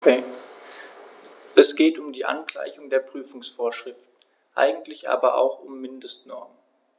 Es geht um die Angleichung der Prüfungsvorschriften, eigentlich aber auch um Mindestnormen.